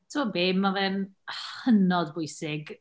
Timod be, mae fe'n hynod bwysig.